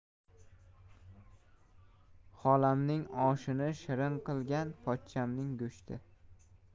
xolamning oshini shirin qilgan pochchamning go'shti